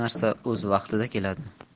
narsa o'z vaqtida keladi